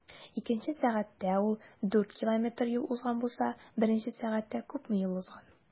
Икенче сәгатьтә ул 4 км юл узган булса, беренче сәгатьтә күпме юл узган?